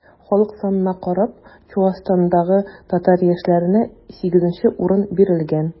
Халык санына карап, Чуашстандагы татар яшьләренә 8 урын бирелгән.